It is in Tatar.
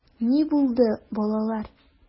Ни булды, балалар?